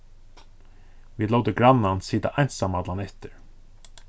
vit lótu grannan sita einsamallan eftir